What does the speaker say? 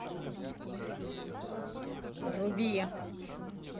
руби